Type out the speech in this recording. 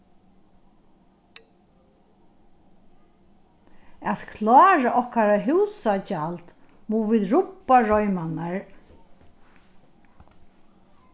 at klára okkara húsagjald mugu vit rubba reimarnar